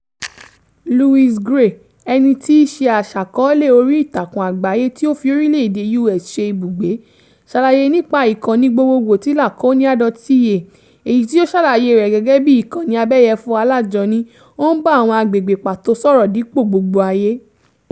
Louis Gray, ẹni tí í ṣe aṣàkọ́ọ́lẹ̀ orí ìtàkùn àgbáyé tí ó fi orílẹ̀ èdè U.S ṣe ibùgbé, ṣàlàyé nípa ìkànnì gbogbogbò ti Laconia.ca, èyí tí ó ṣàlàyé rẹ̀ gẹ́gẹ́ bíi "ìkànnì abẹ́yẹfò alájọni" - ó ń bá àwọn agbègbè pàtó sọ̀rọ̀ dípò gbogbo ayé.